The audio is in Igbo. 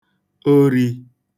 orī